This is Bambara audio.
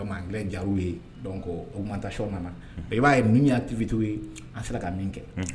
O ja ye o manta ma i b'a ye min y'a tibit ye a sera ka min kɛ